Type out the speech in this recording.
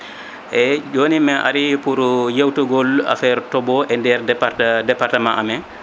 eyyi joni mi ari pour yewtogol affaire tooɓo e nder départe département am he